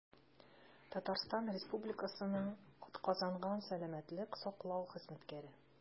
«татарстан республикасының атказанган сәламәтлек саклау хезмәткәре»